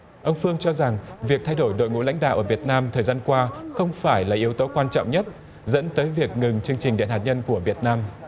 ông phương cho rằng việc thay đổi đội ngũ lãnh đạo ở việt nam thời gian qua không phải là yếu tố quan trọng nhất dẫn tới việc ngừng chương trình điện hạt nhân của việt nam